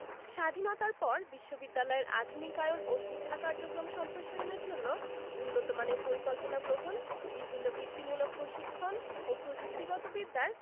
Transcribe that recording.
স্বাধীনতার পর বিশ্ববিদ্যালয়ের আধুনিকায়ন ও শিক্ষা কার্যক্রম সম্প্রসারণের জন্য উন্নতমানের পরিকল্পনা গ্রহণ বিভিন্ন বৃত্তিমূলক প্রশিক্ষণ ও প্রযুক্তিগত বিদ্যার